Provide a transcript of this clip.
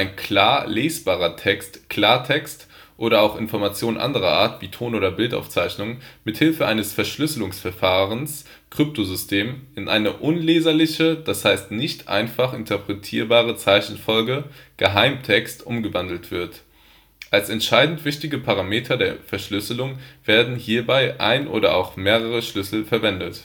klar lesbarer Text (Klartext) (oder auch Informationen anderer Art wie Ton - oder Bildaufzeichnungen) mit Hilfe eines Verschlüsselungsverfahrens (Kryptosystem) in eine „ unleserliche “, das heißt nicht einfach interpretierbare Zeichenfolge (Geheimtext) umgewandelt wird. Als entscheidend wichtige Parameter der Verschlüsselung werden hierbei ein oder auch mehrere Schlüssel verwendet